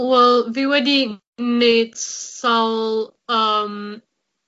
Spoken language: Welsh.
Wel fi wedi neud sawl yym